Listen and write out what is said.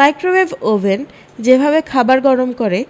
microwave oven যেভাবে খাবার গরম করে